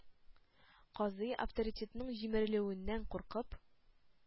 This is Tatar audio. Казый, авторитетының җимерелүеннән куркып,